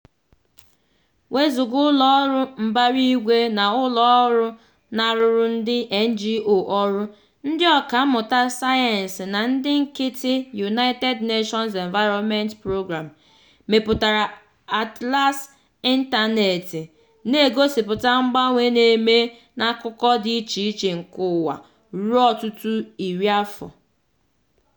Wezuga ụlọọrụ mbaraigwe na ụlọọrụ na-arụrụ ndị NGO ọrụ, ndị ọkàmmụta sayensị na ndị nkịtị, United Nations Environment Programme mepụtara atlas ịntaneetị na-egosịpụta mgbanwe na-eme n'akụkụ dị icheiche nke ụwa ruo ọtụtụ iri afọ.